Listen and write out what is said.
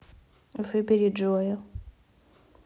выбери джоя